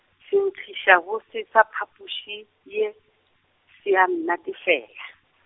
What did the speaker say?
senkgišabose sa phapoši ye, se ya nnatefela.